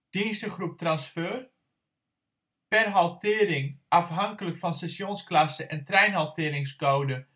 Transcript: Dienstengroep Transfer: per haltering, afhankelijk van stationsklasse en treinhalteringscode